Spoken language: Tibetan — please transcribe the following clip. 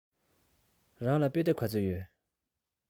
རང ལ དཔེ དེབ ག ཚོད ཡོད